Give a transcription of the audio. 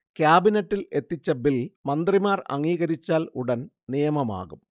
ക്യാബിനറ്റിൽ എത്തിച്ച ബിൽ മന്ത്രിമാർ അംഗീകരിച്ചാൽ ഉടൻ നിയമമാകും